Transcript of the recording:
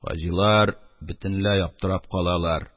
Хаҗилар бөтенләй аптырап калалар.